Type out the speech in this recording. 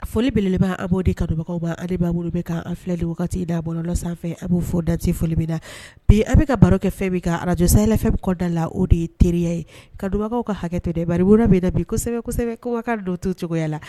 Foli beleba a b'o di kabagawba a b'a bolo bɛ ka filɛli wagati da' bɔlɔlɔ sanfɛ a b'o fɔ date folioli bɛ na bi a bɛka ka baro kɛ fɛn bɛ ka arajsa la fɛn kɔda la o de ye teriya ye kabagaw ka hakɛtobolo bɛ na bi kosɛbɛsɛbɛ ko dɔw tu cogoya la